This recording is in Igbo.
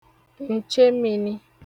ǹchemini